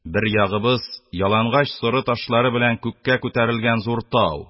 Бер ягыбыз - ялангач, соры ташлары белән күккә күтәрелгән зур тау